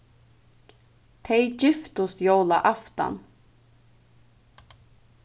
tey giftust jólaaftan